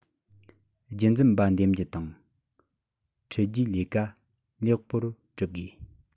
རྒྱུན འཛིན པ འདེམས རྒྱུ དང འཁྲིད རྒྱུའི ལས ཀ ལེགས པོར བསྒྲུབ དགོས